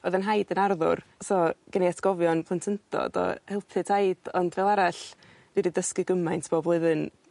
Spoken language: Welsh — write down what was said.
o'dd 'yn nhaid yn arddwr so gynnai atgofion plentyndod o helpu taid ond fel arall dwi 'di dysgu gymaint bob blwyddyn,